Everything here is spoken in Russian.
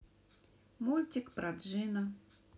мультик про джина